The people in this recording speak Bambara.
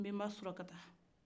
nbenba sulakata